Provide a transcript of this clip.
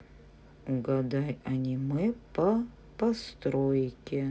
угадай аниме по постройке